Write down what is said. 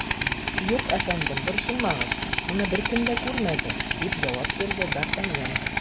Юк, әфәндем, борчылмагыз, моны беркем дә күрмәде, - дип җавап бирде д ’ Артаньян.